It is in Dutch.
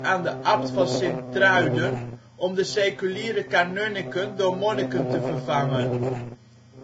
aan de abt van Sint-Truiden om de seculiere kanunniken door monniken te vervangen.